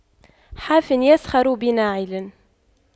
حافٍ يسخر بناعل